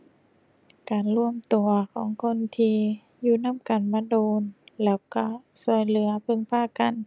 การรวมตัวของคนที่อยู่นำกันมาโดน แล้วก็ก็เหลือพึ่งพากัน